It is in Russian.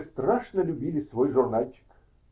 ) Мы страшно любили свой журнальчик.